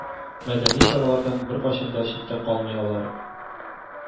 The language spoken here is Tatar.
Мәдәни чаралардан беркайчан да читтә калмый алар